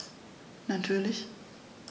Natürlich.